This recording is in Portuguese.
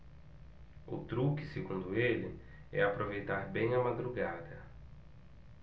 o truque segundo ele é aproveitar bem a madrugada